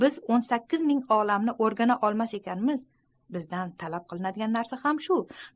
biz on sakkiz ming olamni organa olmas ekanmiz bizdan talab qilinadigan narsa ham shu